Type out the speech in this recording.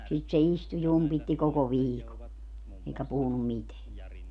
sitä se istui jumpitti koko viikon eikä puhunut mitään